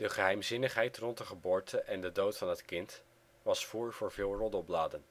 geheimzinnigheid rond de geboorte en de dood van het kind was voer voor veel roddelbladen